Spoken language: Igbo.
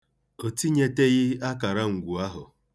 O tinyeteghị akarangwu ahụ.